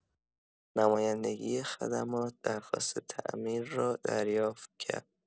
نمایندگی خدمات درخواست تعمیر را دریافت کرد.